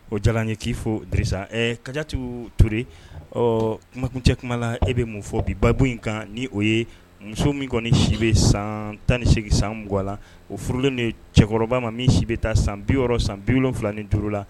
O jala ye k ci fɔ di ɛ kaditi tour ɔ kumakuncɛkuma la e bɛ mun fɔ bi babo in kan ni o ye muso min kɔni si bɛ san tan ni seg san muganwa la o furulen de cɛkɔrɔba ma min si bɛ taa san biyɔrɔ san bilon wolonwula ni duuru la